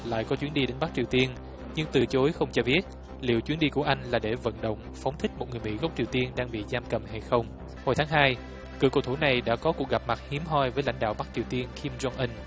lại có chuyến đi đến bắc triều tiên nhưng từ chối không cho biết liệu chuyến đi của anh là để vận động phóng thích một người mỹ gốc triều tiên đang bị giam cầm hay không hồi tháng hai cựu cầu thủ này đã có cuộc gặp mặt hiếm hoi với lãnh đạo bắc triều tiên kim dong ân